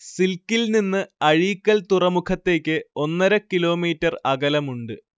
സിൽക്കിൽനിന്ന് അഴീക്കൽ തുറമുഖത്തേക്ക് ഒന്നര കിലോമീറ്റർ അകലമുണ്ട്